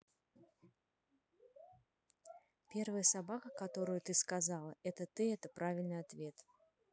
первая собака которую ты сказала это ты это правильный ответ